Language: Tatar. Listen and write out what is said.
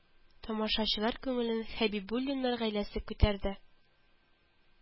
Тамашачылар күңелен Хәбибулиннар гаиләсе күтәрде